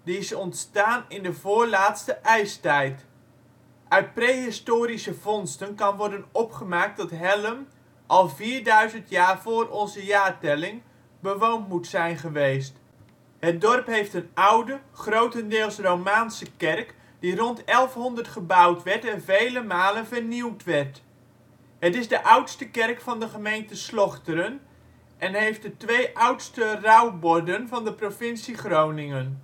is ontstaan in de voorlaatste ijstijd. Uit prehistorische vondsten kan worden opgemaakt dat Hellum al 4000 jaar voor onze jaartelling bewoond moet zijn geweest. Het dorp heeft een oude, grotendeels romaanse kerk die rond 1100 gebouwd werd en vele malen vernieuwd werd. Het is de oudste kerk van de gemeente Slochteren en heeft de twee oudste rouwborden van de provincie Groningen